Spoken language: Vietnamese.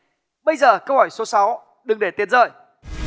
bây giờ câu hỏi số sáu đừng để tiền rơi